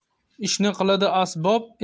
ishni qiladi asbob